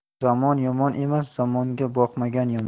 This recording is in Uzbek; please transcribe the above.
zamon yomon emas zamonga boqmagan yomon